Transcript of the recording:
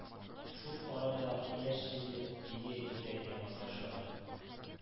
Шул арада яшь Җегет өйгә китәргә маташа.